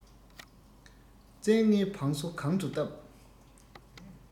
བཙན ལྔའི བང སོ གང དུ བཏབ